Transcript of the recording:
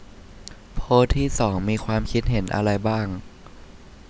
โพสต์ที่สองมีความคิดเห็นอะไรบ้าง